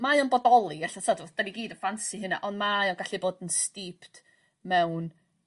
Mae o'n bodoli ella t'od 'dan ni gyd y ffansi hynna ond mae o gallu bod yn steeped mewn